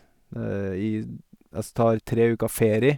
i sn Jeg s tar tre uker ferie.